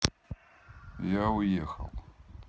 я гулял